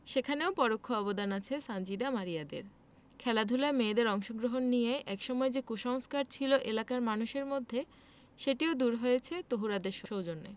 সেখানেও পরোক্ষ অবদান আছে সানজিদা মারিয়াদের খেলাধুলায় মেয়েদের অংশগ্রহণ নিয়ে একটা সময় যে কুসংস্কার ছিল এলাকার মানুষের মধ্যে সেটিও দূর হয়েছে তহুরাদের সৌজন্যে